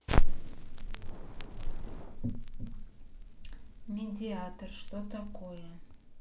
медиатор что такое